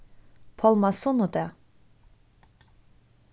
pálmasunnudag